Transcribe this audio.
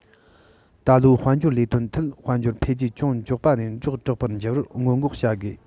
ད ལོའི དཔལ འབྱོར ལས དོན ཐད དཔལ འབྱོར འཕེལ རྒྱས ཅུང མགྱོགས པ ནས མགྱོགས དྲགས པར འགྱུར བར སྔོན འགོག བྱ དགོས